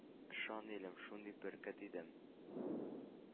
Ышан, илем, шундый бөркет идем.